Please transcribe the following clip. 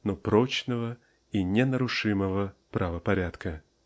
но прочного и ненарушимого правопорядка .